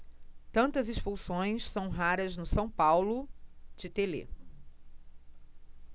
tantas expulsões são raras no são paulo de telê